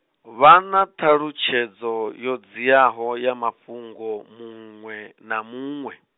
vha na ṱhalutshedzo, yo dziaho ya mafhungo muṅwe, na muṅwe.